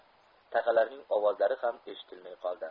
taqalarning ovozlari ham eshitilmay qoldi